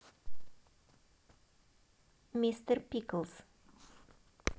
мистер пиклз